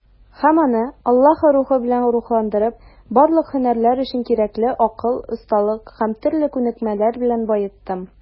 Һәм аны, Аллаһы Рухы белән рухландырып, барлык һөнәрләр өчен кирәкле акыл, осталык һәм төрле күнекмәләр белән баеттым.